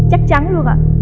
chắc chắn luôn ạ